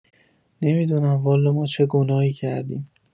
نمی‌دونم والا ما چه گناهی کردیم